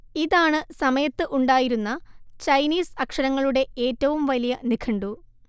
ഇതാണ് സമയത്ത് ഉണ്ടായിരുന്ന ചൈനീസ് അക്ഷരങ്ങളുടെഏറ്റവും വലിയ നിഘണ്ടു